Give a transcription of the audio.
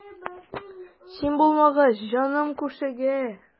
Син булмагач җаным күшегә.